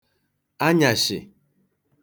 anyàshị̀